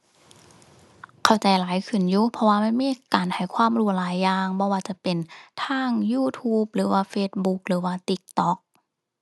เข้าใจหลายขึ้นอยู่ เพราะว่ามันมีการให้ความรู้หลายอย่าง บ่ว่าจะเป็นทาง YouTube หรือว่า Facebook หรือว่า TikTok⁠